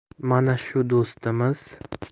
mana shu do'stimiz